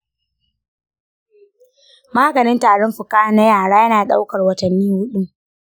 maganin tarin fuka na yara yana ɗaukar watanni huɗu.